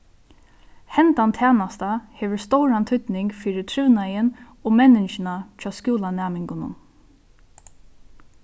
hendan tænasta hevur stóran týdning fyri trivnaðin og menningina hjá skúlanæmingunum